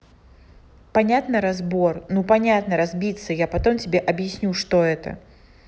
понятно разбор ну понятно разбиться я потом тебе объясню что это